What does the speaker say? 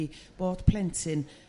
ydi bod plentyn